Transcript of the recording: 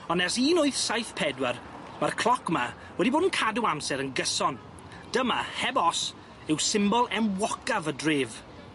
On' ers un wyth saith pedwar ma'r cloc 'ma wedi bod yn cadw amser yn gyson. Dyma heb os yw symbol enwocaf y dref.